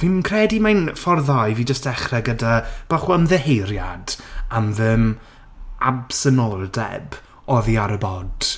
Fi'n credu mae'n ffordd dda i fi jyst dechrau gyda bach o ymddiheuriad am fy m- absenoldeb oddi ar y bod.